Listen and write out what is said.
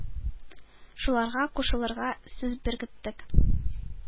Шуларга кушылырга сүз беркеттек,